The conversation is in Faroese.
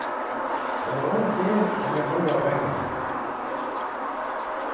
eg var ungur og mær tørvaði pengarnar